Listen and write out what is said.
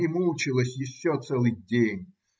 И мучилась еще целый день.